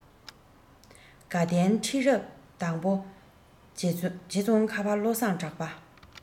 དགའ ལྡན ཁྲི རབས དང པོ རྗེ ཙོང ཁ པ བློ བཟང གྲགས པ